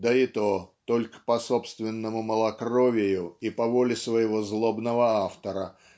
да и то только по собственному малокровию и по воле своего злобного автора